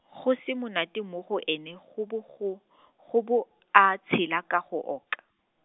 go se monate mo go ene go bo go , go bo, a tshela ka go oka.